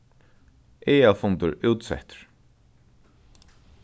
aðalfundur útsettur